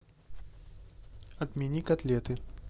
отмени котлеты